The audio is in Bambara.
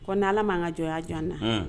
Ko ni ala' kajɔ a jɔn na